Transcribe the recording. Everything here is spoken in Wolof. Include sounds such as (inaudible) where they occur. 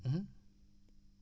(hesitation) (hesitation)